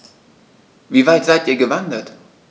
Wie weit seid Ihr gewandert?